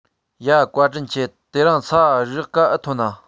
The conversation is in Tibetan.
ཡ བཀའ དྲིན ཆེ དེ རིང ས རུག རེག ག ཨེ ཐོན ན